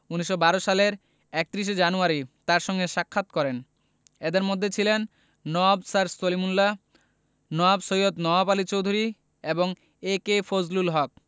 ১৯১২ সালের ৩১ জানুয়ারি তাঁর সঙ্গে সাক্ষাৎ করেন এঁদের মধ্যে ছিলেন নওয়াব স্যার সলিমুল্লাহ নওয়াব সৈয়দ নওয়াব আলী চৌধুরী এবং এ.কে ফজলুল হক